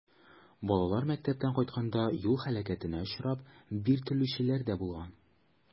Балалар мәктәптән кайтканда юл һәлакәтенә очрап, биртелүчеләр дә булган.